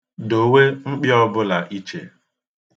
Dowe mkpị ọbụla iche.